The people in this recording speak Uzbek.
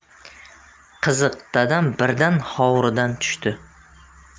qiziq dadam birdan hovuridan tushdi